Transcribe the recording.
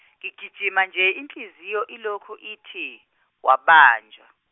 ngigijima nje inhliziyo ilokhu ithi wabajwa.